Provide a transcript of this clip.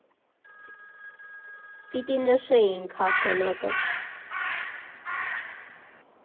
Պիտի նշեինք հաղթանակը։